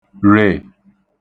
rè